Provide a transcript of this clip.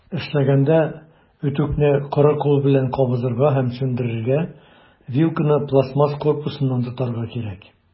Эшләгәндә, үтүкне коры кул белән кабызырга һәм сүндерергә, вилканы пластмасс корпусыннан тотарга кирәк.